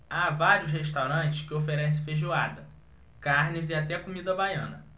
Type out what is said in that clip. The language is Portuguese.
há vários restaurantes que oferecem feijoada carnes e até comida baiana